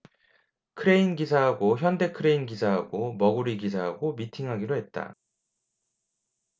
크레인 기사하고 현대 크레인 기사하고 머구리 기사하고 미팅하기로 했다